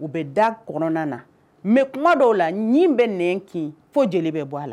U bɛ da kɔnɔna na mɛ kuma dɔw la ɲi bɛ n kin fo j bɛ bɔ a la